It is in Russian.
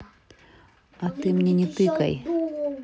а ты мне не тыкай